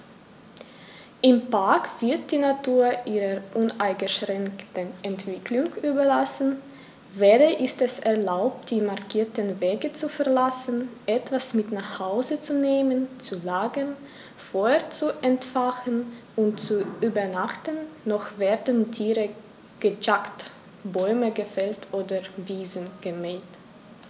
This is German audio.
Im Park wird die Natur ihrer uneingeschränkten Entwicklung überlassen; weder ist es erlaubt, die markierten Wege zu verlassen, etwas mit nach Hause zu nehmen, zu lagern, Feuer zu entfachen und zu übernachten, noch werden Tiere gejagt, Bäume gefällt oder Wiesen gemäht.